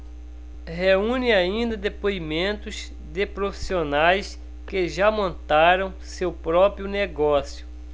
reúne ainda depoimentos de profissionais que já montaram seu próprio negócio